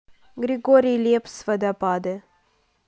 григорий лепс водопады